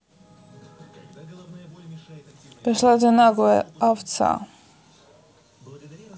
пошла ты нахуй овца